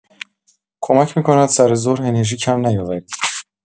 کمک می‌کند سر ظهر انرژی کم نیاورید.